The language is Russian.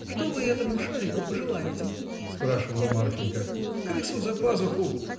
— Что вы этому шарику пожелаете? — спрашивала Марфинька. — Крысу за пазуху!